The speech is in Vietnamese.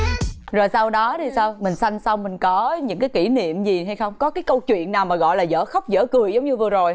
rồi sau đó thì sao mình sanh xong mình có những cái kỉ niệm gì hay không có cái câu chuyện nào mà gọi là dở khóc dở cười giống như vừa rồi